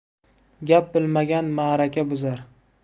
gap bilmagan ma'raka buzar